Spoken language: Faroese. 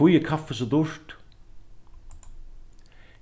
hví er kaffi so dýrt